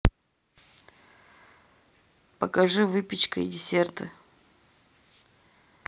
покажи выпечка и десерты